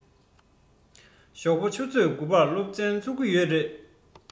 ཞོགས པ ཆུ ཚོད དགུ པར སློབ ཚན ཚུགས ཀྱི ཡོད རེད